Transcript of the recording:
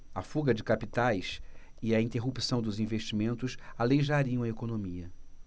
a fuga de capitais e a interrupção dos investimentos aleijariam a economia